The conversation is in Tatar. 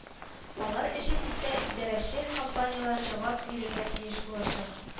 Алар өчен исә идарәче компанияләр җавап бирергә тиеш булачак